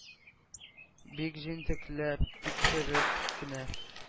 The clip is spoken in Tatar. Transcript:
Бик җентекләп тикшереп кенә,